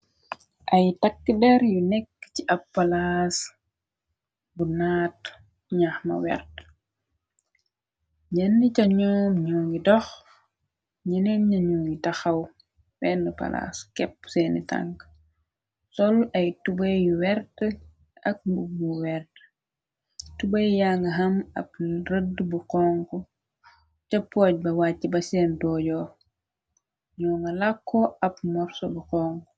Ay takk der yu nekk ci ab palaas bu naat ñax ma wert ñenn ca ñoo ñoo ngi dox ñeneen ñañu ngi taxaw 1 palaas kepp seeni tànk sol ay tubay yu wert ak mbug bu werd tubay yang ham ab rëdd bu xong tëppooj ba wàcc ba seen doojoor ñoo nga làkkoo ab morsa bu xong.